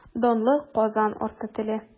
Данлы Казан арты теле.